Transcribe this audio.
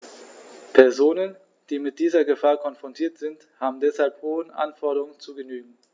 Personen, die mit dieser Gefahr konfrontiert sind, haben deshalb hohen Anforderungen zu genügen.